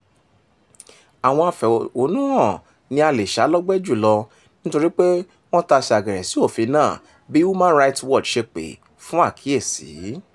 Àwọn afẹ̀hónúhàn ni a lè ṣá lọ́gbẹ́ jù lọ nítorí wípé wọ́n tasẹ̀ àgẹ̀rẹ̀ sí òfin náà bí Human Rights Watch ṣe pè fún àkíyèsí: